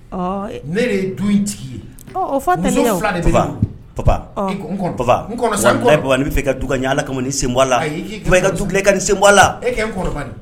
Ne de ye du in tigi ye bɛ fɛ ka du ɲɛ ala ka ni senla ka duka ni senla